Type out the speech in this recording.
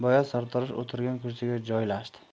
boya sartarosh o'tirgan kursiga joylashdi